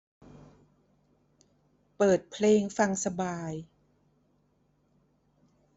เปิดเพลงฟังสบาย